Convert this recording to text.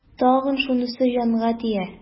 Тагын шунысы җанга тия.